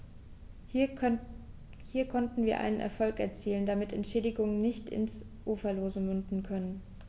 Hier konnten wir einen Erfolg erzielen, damit Entschädigungen nicht ins Uferlose münden können.